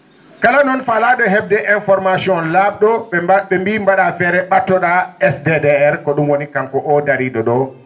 kala noon faala?e hebde information laab?o ?e ?e mbi mba?a feere ?atto?a SDDR ko ?um woni kanko o dari?o ?o